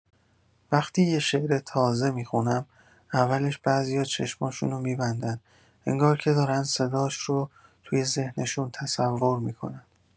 وقتی یه شعر تازه می‌خونم، اولش بعضیا چشماشونو می‌بندن، انگار که دارن صداش رو توی ذهنشون تصور می‌کنن.